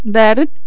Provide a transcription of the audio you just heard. بارد